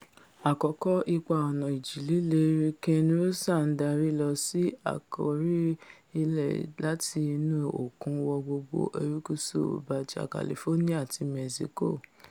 Àkọ́kọ́, ipa ọ̀nà Ìjì-líle Hurricane Rosa ńdarí lọsí àkọ́rí ilẹ láti inú òkun wọ gbogbo erékùsù Baja California ti Mẹ́síkò.